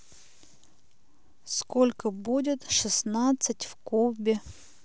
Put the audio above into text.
сколько будет шестнадцать в кубе